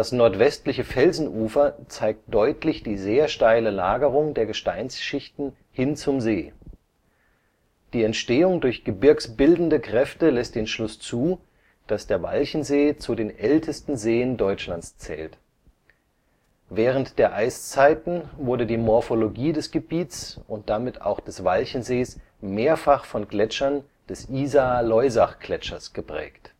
nordwestliche Felsenufer zeigt deutlich die sehr steile Lagerung der Gesteinsschichten hin zum See. Die Entstehung durch gebirgsbildende Kräfte lässt den Schluss zu, dass der Walchensee zu den ältesten Seen Deutschlands zählt. Während der Eiszeiten wurde die Morphologie des Gebiets und damit auch des Walchensees mehrfach von Gletschern des Isar-Loisach-Gletschers geprägt